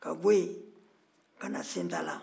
ka bɔ yen ka na sentala